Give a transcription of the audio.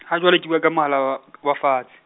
ha jwale ke bua ka mohala wa, wa fatshe.